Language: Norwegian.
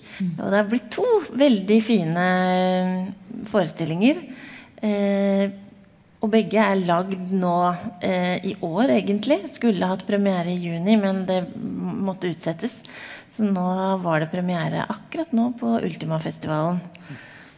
og det har blitt to veldig fine forestillinger og begge er lagd nå i år egentlig, skulle hatt premiere i juni, men det måtte utsettes, så nå var det premiere akkurat nå på Ultima-festivalen.